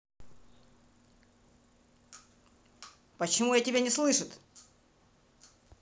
почему я тебя не слышит